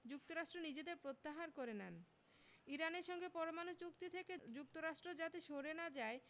যুক্তরাষ্ট্র নিজেদের প্রত্যাহার করে নেন ইরানের সঙ্গে পরমাণু চুক্তি থেকে যুক্তরাষ্ট্র যাতে সরে না যায়